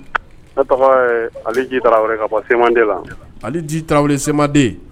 Ne ji ka bɔ semaden la ji semaden